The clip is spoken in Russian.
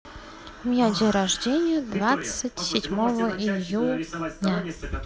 у меня день рождения двадцать седьмого июня